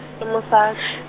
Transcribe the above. ke mosa- .